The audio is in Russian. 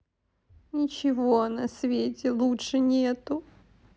ничего на свете лучше нету